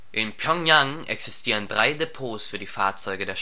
In Pyöngjang existieren drei Depots für die Fahrzeuge der